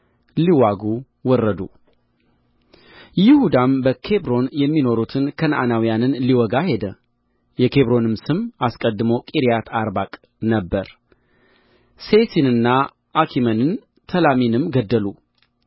ሊወጉ ወረዱ ይሁዳም በኬብሮን የሚኖሩትን ከነዓናውያንን ሊወጋ ሄደ የኬብሮንም ስም አስቀድሞ ቂርያትአርባቅ ነበረ ሴሲንና አኪመንን ተላሚንም ገደሉ